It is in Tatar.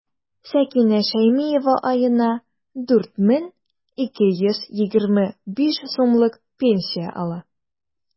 Сәкинә Шәймиева аена 4 мең 225 сумлык пенсия ала.